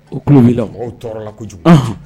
O tulo b'i la o, mɔgɔw tɔɔrɔ la ko kojugu, Anhan.